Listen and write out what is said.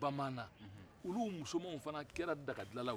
olu bɛ daga dilan